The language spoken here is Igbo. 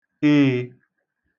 eē